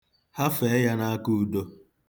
Hafee ya n'aka Udo.